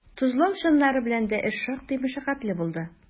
Тозлау чаннары белән дә эш шактый мәшәкатьле булды.